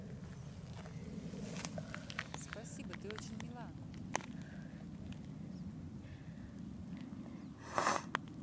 спасибо ты очень мила